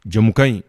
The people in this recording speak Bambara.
Jamu ka ɲi